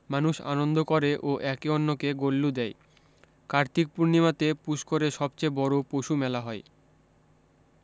মানুষ আনন্দ করে ও একে অন্যকে গল্লু দেয় কার্তিক পূর্নিমাতে পুস্করে সবচেয়ে বড় পশু মেলা হয়